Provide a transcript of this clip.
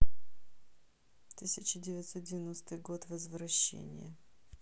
тысяча девятьсот девяностый год возвращение